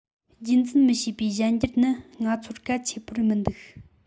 རྒྱུད འཛིན མི བྱེད པའི གཞན འགྱུར ནི ང ཚོར གལ ཆེན པོར མི འདུག